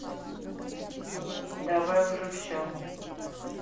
давай уже все